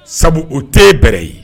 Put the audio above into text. Sabu o tɛ e bɛrɛ ye.